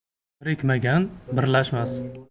birikmagan birlashmas